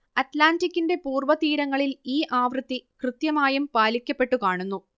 അറ്റ്ലാന്റിക്ക്കിന്റെ പൂർവതീരങ്ങളിൽ ഈ ആവൃത്തി കൃത്യമായും പാലിക്കപ്പെട്ടു കാണുന്നു